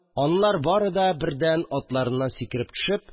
Анлар бары да, бердән атларынан сикереп төшеп